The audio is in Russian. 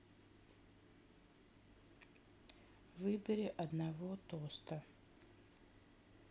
выбери одного тоста